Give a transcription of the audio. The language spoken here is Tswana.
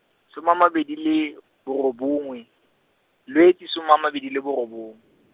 soma a mabedi le, borobongwe, Lwetse soma a mabedi le borobong.